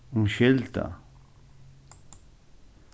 umskylda